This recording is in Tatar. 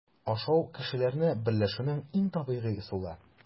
Ашау - кешеләрне берләшүнең иң табигый ысулы.